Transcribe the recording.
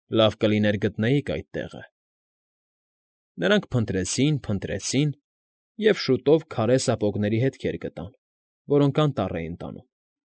Լավ կլիներ գտնեինք այդ տեղը… Նրանք փնտրեցին֊փնտրեցին և շուտով քարե սապոգների հետքեր գտան, որոնք անտառ էին տանում։